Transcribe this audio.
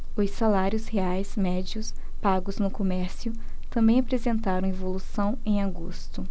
os salários reais médios pagos no comércio também apresentaram evolução em agosto